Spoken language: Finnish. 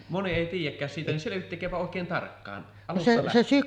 moni ei tiedäkään siitä niin selvittäkääpä oikein tarkkaan alusta lähtien